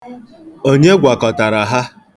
Onye gwakọtara ha?